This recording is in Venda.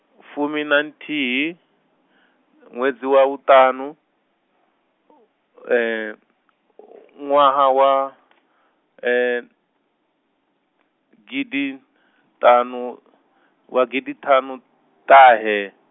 fumi na nthihi , ṅwedzi wa vhuṱaṋu, ṅwaha wa, gidiṱhanu-, wa gidiṱhanuṱahe-.